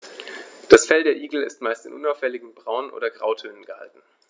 Das Fell der Igel ist meist in unauffälligen Braun- oder Grautönen gehalten.